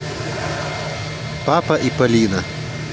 папа и полина